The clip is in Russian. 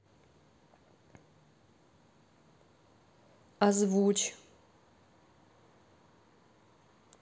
озвучь